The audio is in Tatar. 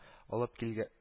Алып килгән